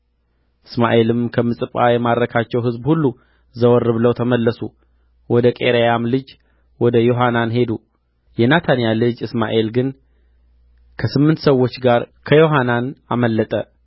እስማኤልም ከምጽጳ የማረካቸው ሕዝብ ሁሉ ዘወር ብለው ተመለሱ ወደ ቃሬያም ልጅ ወደ ዮሐናን ሄዱ የናታንያ ልጅ እስማኤል ግን ከስምንት ሰዎች ጋር ከዮሐናን አመለጠ